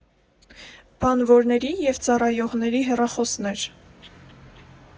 Բանվորների և ծառայողների հեռախոսներ.